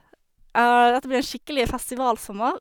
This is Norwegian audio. Dette blir en skikkelig festivalsommer.